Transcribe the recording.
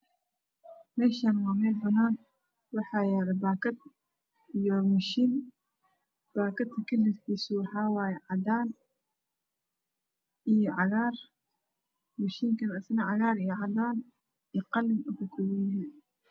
Meshan wameel banan waxa yalo bakat iyo mashiin bakat kalar kiisu waxa wayo cadaan iyo cagaar mashinkana cagaar iyo cadaan iyo qalin ukakoban yahay